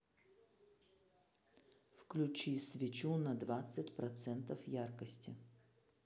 включи свечу на двадцать процентов яркости